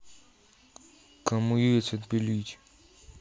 кому яйца отпилить